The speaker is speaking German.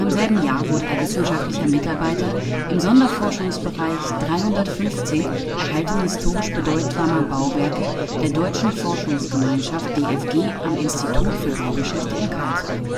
selben Jahr wurde er Wissenschaftlicher Mitarbeiter im Sonderforschungsbereich 315 Erhaltung historisch bedeutsamer Bauwerke der Deutschen Forschungsgemeinschaft (DFG) am Institut für Baugeschichte in Karlsruhe